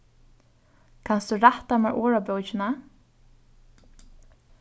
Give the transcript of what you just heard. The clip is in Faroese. kanst tú rætta mær orðabókina